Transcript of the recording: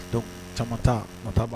Don caman taa o taa ban